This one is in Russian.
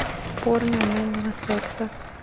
порно анального секса